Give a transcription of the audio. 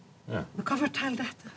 men hva forteller dette?